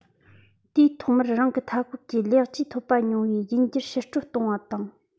དེས ཐོག མར རང གི མཐའ འཁོར གྱི ལེགས བཅོས ཐོབ པ ཉུང བའི རྒྱུད འགྱུར ཕྱིར སྐྲོད གཏོང བ དང